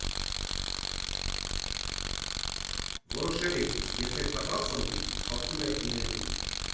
Որոշել էինք՝ եթե տղա ծնվի, Թաթուլ է լինելու։